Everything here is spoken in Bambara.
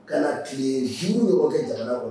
Ka na tile kɛ jamana kɔnɔ